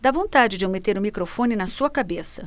dá vontade de eu meter o microfone na sua cabeça